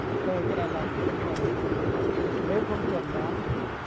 từ cái đèn lồng cho đến cái đèn ông sao nếu không chẩn đoán